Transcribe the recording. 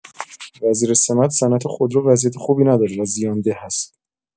وزیر صمت: صنعت خودرو وضعیت خوبی ندارد و زیان‌ده است.